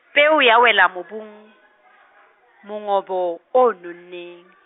peo ya wela mobung, mongobo, o nonneng.